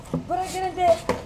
Barakɛ dɛ